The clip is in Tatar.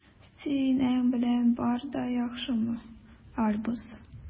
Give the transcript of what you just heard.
Синең белән бар да яхшымы, Альбус?